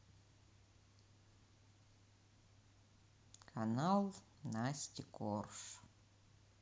канал насти корж